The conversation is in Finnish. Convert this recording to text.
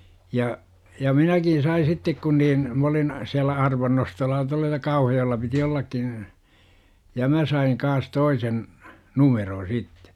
ja ja minäkin sain sitten kun niin minä olin siellä arvannostolla tuolla ja Kauhajoella piti ollakin ja minä sain kanssa toisen numeron sitten